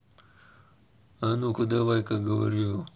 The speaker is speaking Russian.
а ну ка давай ка говорю